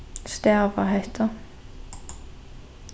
stava hetta